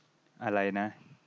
อะไรนะ